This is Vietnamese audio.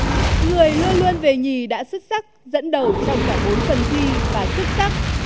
người luôn luôn về nhì đã xuất sắc dẫn đầu trong cả bốn phần thi và xuất sắc